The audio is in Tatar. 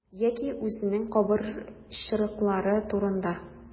Яки үзенең кабырчрыклары турында.